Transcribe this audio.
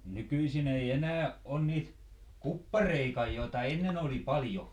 no nykyisin ei enää ole niitä kuppareitakaan joita ennen oli paljon